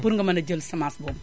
pour nga mën a jël semence boobu